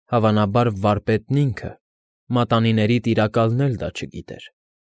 Հավանաբար Վարպետն ինքը՝ մատանիների տիրակալն էլ դա չգիտեր։